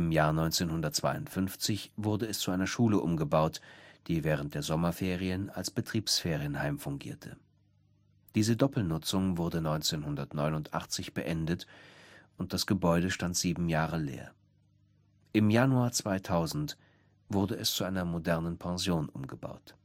Jahr 1952 wurde es zu einer Schule umgebaut, die während der Sommerferien als Betriebsferienheim fungierte. Diese Doppelnutzung wurde 1989 beendet, und das Gebäude stand sieben Jahre leer. Im Januar 2000 wurde es zu einer Pension mit Gaststätte umgebaut